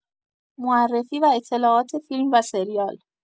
معرفی و اطلاعات فیلم و سریال